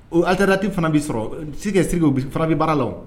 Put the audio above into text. Ɔ adti fana bɛ sɔrɔ se ka sigi u fana bɛ baara la